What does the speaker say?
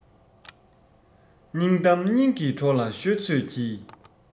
སྙིང གཏམ སྙིང གི གྲོགས ལ ཤོད ཚོད གྱིས